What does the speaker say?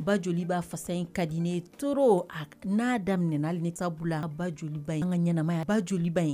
Ba joli b'a fasa in ka diinɛ ne toro a n'a daminɛminale taabolo bolola ba joliba in ka ɲɛnaɛnɛmaya ba joliba in